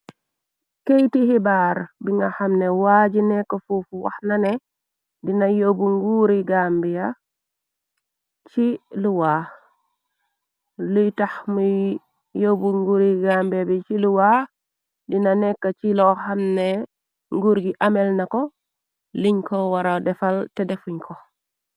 Keyti xibaar bi nga xam ne waaji nekk fuufu wax nane dina yóbbu nguuri gambiya ci luwaa luy tax muy yóbbu nguuri gamb bi ci luwa dina nekk ci loo xamne nguur gi amel nako liñ ko wara defal te defuñ ko.